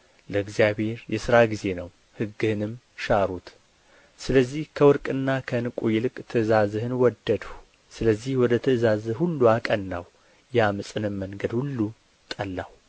ለእግዚአብሔር የሥራ ጊዜ ነው ሕግህንም ሻሩት ስለዚህ ከወርቅና ከዕንቍ ይልቅ ትእዛዝህን ወደድሁ ስለዚህ ወደ ትእዛዝህ ሁሉ አቀናሁ የዓመፅንም መንገድ ሁሉ ጠላሁ